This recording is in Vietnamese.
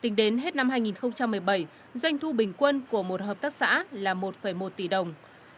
tính đến hết năm hai nghìn không trăm mười bảy doanh thu bình quân của một hợp tác xã là một phẩy một tỷ đồng